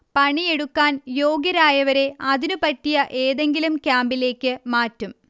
പണിയെടുക്കാൻ യോഗ്യരായവരെ അതിനുപറ്റിയ ഏതെങ്കിലും ക്യാമ്പിലേക്ക് മാറ്റും